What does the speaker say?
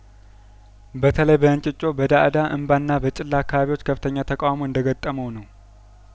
በተለይ በእንጪጮ በዳእዳ እምባና በጭላ አካባቢዎች ከፍተኛ ተቃውሞ እንደገጠመው ነው